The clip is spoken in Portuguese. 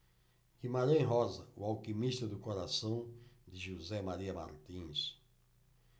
guimarães rosa o alquimista do coração de josé maria martins